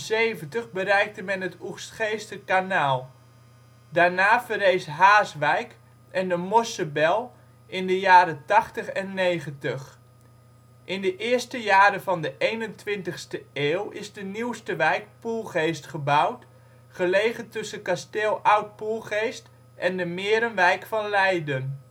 70 bereikte men het Oegstgeester Kanaal. Daarna verrees Haaswijk en de Morsebel in de jaren ' 80 en ' 90. In de eerste jaren van de 21e eeuw is de nieuwste wijk Poelgeest gebouwd, gelegen tussen kasteel Oud-Poelgeest en de Merenwijk van Leiden